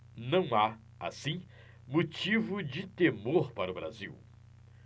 não há assim motivo de temor para o brasil